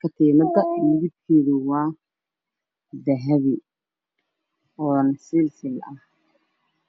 katiinada midabkeedu waa dahabi waana silisil ah